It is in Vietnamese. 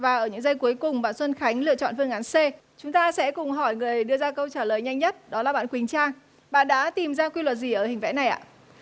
và ở những giây cuối cùng bạn xuân khánh lựa chọn phương án xê chúng ta sẽ cùng hỏi người đưa ra câu trả lời nhanh nhất đó là bạn quỳnh trang bạn đã tìm ra quy luật gì ở hình vẽ này ạ